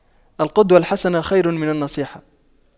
القدوة الحسنة خير من النصيحة